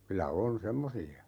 kyllä on semmoisia